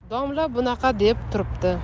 domla bunaqa deb turibdi